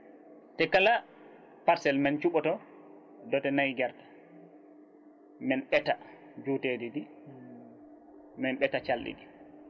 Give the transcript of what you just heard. te kala parcelle min cuuɓato doote nayyi guerte min ɓeeta jutedi ndi min ɓeeta calɗi ɗi